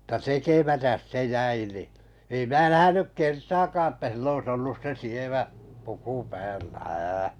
mutta tekemättä se jäi niin ei minä nähnyt kertaakaan että sillä olisi ollut se sievä puku päällä ää